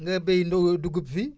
nga bayandoo dugub fii